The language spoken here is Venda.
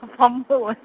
Ṱhafamuhwe.